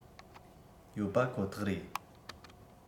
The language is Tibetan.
ཡོད པ ཁོ ཐག རེད